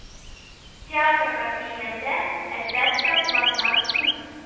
Театрга килгәндә, әлбәттә, планнар күп